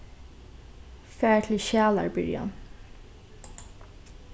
far til skjalarbyrjan